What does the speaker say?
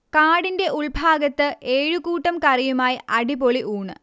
കാടിന്റ ഉൾഭാഗത്ത് ഏഴുകൂട്ടം കറിയുമായി അടിപൊളി ഊണ്